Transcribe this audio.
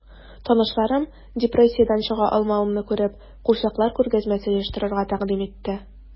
Танышларым, депрессиядән чыга алмавымны күреп, курчаклар күргәзмәсе оештырырга тәкъдим итте...